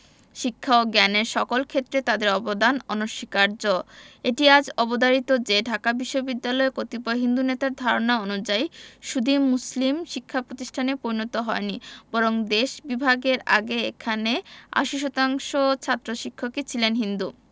শিক্ষা ও জ্ঞানের সকল ক্ষেত্রে তাদের অবদান অনস্বীকার্য এটিআজ অবধারিত যে ঢাকা বিশ্ববিদ্যালয় কতিপয় হিন্দু নেতার ধারণা অনুযায়ী শুধুই মুসলিম শিক্ষা প্রতিষ্ঠানে পরিণত হয় নি বরং দেশ বিভাগের আগে এখানে ৮০% ছাত্র শিক্ষকই ছিলেন হিন্দু